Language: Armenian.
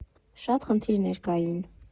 Շատ խնդիրներ կային.